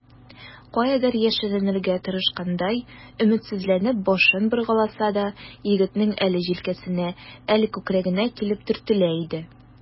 Каядыр яшеренергә тырышкандай, өметсезләнеп башын боргаласа да, егетнең әле җилкәсенә, әле күкрәгенә килеп төртелә иде.